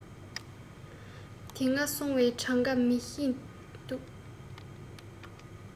དེ སྔ སོང བའི གྲངས ཀ མི ཤེས འདུག